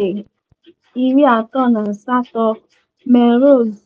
Ayr 38 - 17 Melrose: